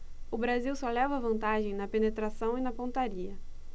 o brasil só leva vantagem na penetração e na pontaria